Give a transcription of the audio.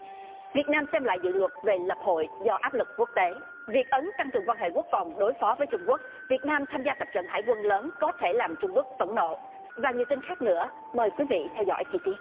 việt nam xem lại dự luật về lập hội do áp lực quốc tế việt ấn tăng cường quan hệ quốc phòng đối phó với trung quốc việt nam tham gia tập trận hải quân lớn có thể làm trung quốc phẫn nộ và nhiều tin khác nữa mời quý vị theo dõi chi tiết